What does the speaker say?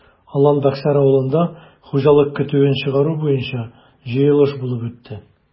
Алан-Бәксәр авылында хуҗалык көтүен чыгару буенча җыелыш булып үтте.